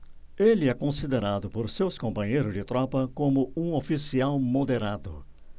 ele é considerado por seus companheiros de tropa como um oficial moderado